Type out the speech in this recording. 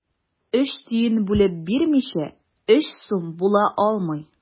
Өч тиен бүлеп бирмичә, өч сум була алмый.